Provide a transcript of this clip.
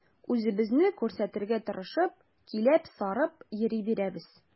Үзебезне күрсәтергә тырышып, киләп-сарып йөри бирәбез.